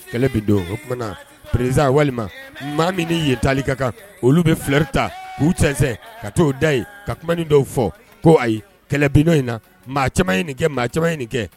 Kɛlɛ bɛ don o tumaumana na prezsan walima maa min ye tali ka kan olu bɛ filɛ ta k uu cɛsɛn ka taa'o da ye ka kuma nin dɔw fɔ ko ayi kɛlɛ bino in na mɔgɔ caman in nin kɛ mɔgɔ caman in nin kɛ